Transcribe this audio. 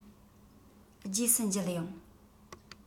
རྗེས སུ མཇལ ཡོང